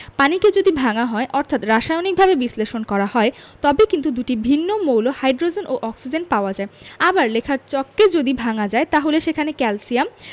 পানিকে যদি ভাঙা হয় অর্থাৎ রাসায়নিকভাবে বিশ্লেষণ করা যায় তবে কিন্তু দুটি ভিন্ন মৌল হাইড্রোজেন ও অক্সিজেন পাওয়া যায় আবার লেখার চককে যদি ভাঙা যায় তাহলে সেখানে ক্যালসিয়াম